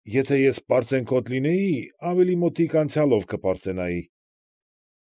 Եթե ես պարծենկոտ լինեի, ավելի մոտիկ անցյալով կպարծենայի։